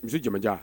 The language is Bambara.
Misi jama